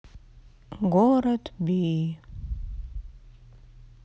город би